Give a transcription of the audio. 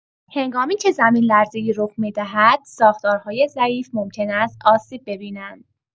هنگامی‌که زمین‌لرزه‌ای رخ می‌دهد، ساختارهای ضعیف ممکن است آسیب ببینند.